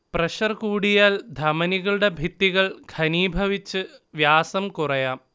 pressure കൂടിയാൽ ധമനികളുടെ ഭിത്തികൾ ഘനീഭവിച്ചു വ്യാസം കുറയാം